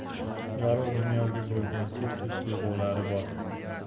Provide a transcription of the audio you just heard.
yorug' dunyoga bo'lgan cheksiz tuyg'ulari bor